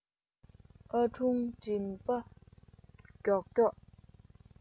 ཨ དྲུང དྲེལ པ མགྱོགས མགྱོགས